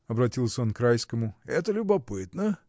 — обратился он к Райскому, — это любопытно!